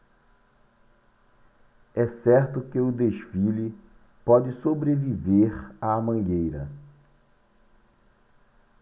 é certo que o desfile pode sobreviver à mangueira